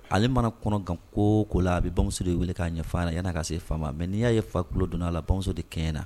Ale mana kɔnɔkan ko ko la a bɛ ba de wele k'a ɲɛfan yan k'a se faama ma mɛ n'i y'a ye fa kulu don a la de kɛ na